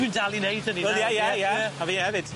Dwi'n dal i neud hynny nawr. Wel ie ie ie. A fi hefyd.